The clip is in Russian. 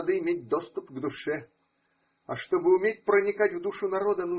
надо иметь доступ к душе, а чтобы уметь проникать в душу народа.